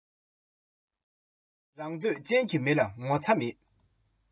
འདོད ལ ཅན གྱི ཆོས པ བརྒྱ ལ ལྷག